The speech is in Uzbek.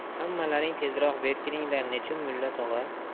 hammalaring tezroq berkininglar nechun mulla tog'a